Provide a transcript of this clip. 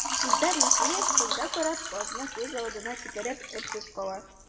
Илдар Юзеев, кызга карап, казны күз алдына китереп, өнсез кала.